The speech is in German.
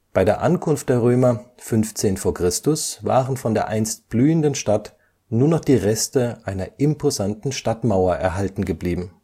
Bei der Ankunft der Römer 15 v. Chr. waren von der einst blühenden Stadt nur noch die Reste einer imposanten Stadtmauer erhalten geblieben